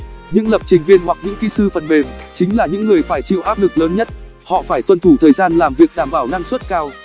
những lập trình viên hoặc những kỹ sư phần mềm chính là những người phải chịu áp lực lớn nhất họ phải tuân thủ thời gian làm việc đảm bảo năng suất cao